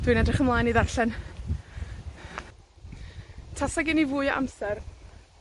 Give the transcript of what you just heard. Dwi'n edrych ymlaen i ddarllen. Tasa gen i fwy o amser,